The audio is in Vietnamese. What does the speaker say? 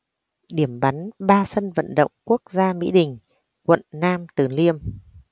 điểm bắn ba sân vận động quốc gia mỹ đình quận nam từ liêm